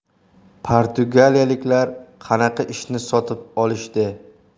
portugaliyaliklar qanaqa ishni sotib olishdi